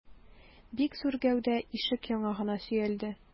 Бик зур гәүдә ишек яңагына сөялде.